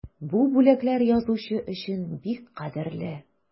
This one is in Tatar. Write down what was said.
Бу бүләкләр язучы өчен бик кадерле.